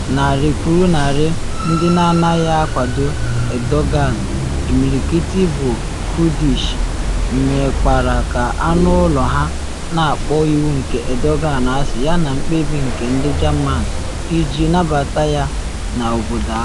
Narị kwụrụ narị ndị na anaghị akwado Erdogan - imirikiti bụ Kurdish - mekwara ka anụ olu ha, na akpọ iwu nke Erdogan asị yana mkpebi nke ndị Germany iji nabata ya n’obodo ahụ.